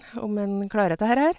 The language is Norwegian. Om den klarer dette herre her.